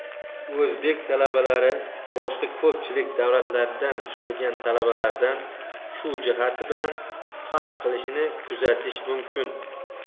o'zbek talabalar boshqa ko'pchilik davlatlardan kelgan talabalardan shu jihati bilan farq qilishini kuzatish mumkin